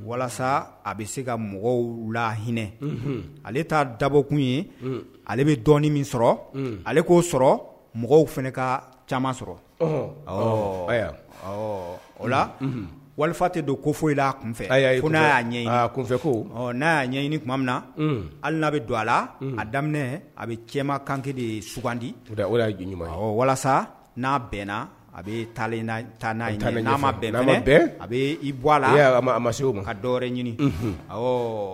Walasa a bɛ se ka mɔgɔw la hinɛ ale taa dabɔkun ye ale bɛ dɔɔnin min sɔrɔ ale k'o sɔrɔ mɔgɔw fana ka caman sɔrɔ ɔ ayiwa o la wali tɛ don ko foyila afɛ ko n'aa ɲɛɲinifɛ ko n'a y'a ɲɛɲini tuma min na hali'a bɛ don a la a daminɛ a bɛ cɛma kan de ye sugandi walasa n'a bɛnna a bɛ taaa ma a i bɔ a la a ma se ka dɔɛrɛ ɲini